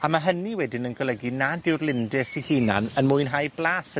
a ma' hynny wedyn yn golygu nad yw'r lindys 'o hunin yn mwynhau blas y